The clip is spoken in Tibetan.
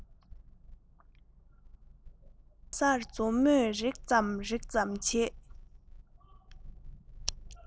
གང སར མཛུབ མོས རེག ཙམ རེག ཙམ བྱེད